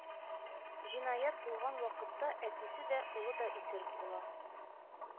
Җинаять булган вакытта әтисе дә, улы да исерек була